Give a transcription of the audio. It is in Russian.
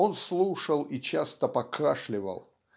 Он слушал и часто покашливал.